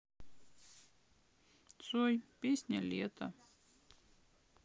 цой песня лето